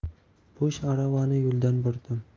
bo'sh aravamni yo'ldan burdim